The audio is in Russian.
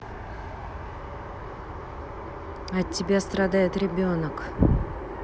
от тебя страдает ребенок